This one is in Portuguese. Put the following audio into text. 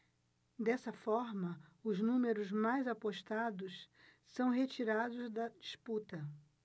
dessa forma os números mais apostados são retirados da disputa